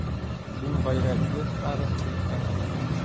Син гайрәтле староста икәнсең.